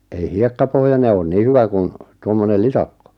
ei hiekkapohjainen ole niin hyvä kuin tuommoinen litakko